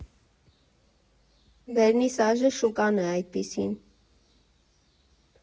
Վերնիսաժի շուկան է այդպիսին։